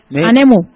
Man ne mun